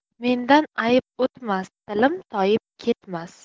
mendan ayb o'tmas tilim toyib ketmas